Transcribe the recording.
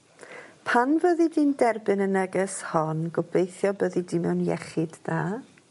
... pan fyddi di'n derbyn y neges hon gobeithio byddi di mewn iechyd da